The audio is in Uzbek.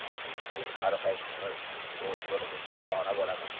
keyin har qaysimiz o'z yo'limizga ravona bo'lamiz